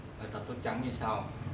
bài tập nốt trắng như sau